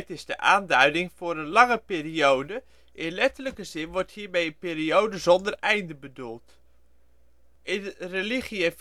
is de aanduiding voor een lange periode. In letterlijke zin wordt hiermee een periode zonder einde bedoeld. In religie en filosofie